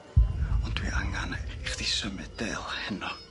Ond dwi angen i chdi symud Dale heno.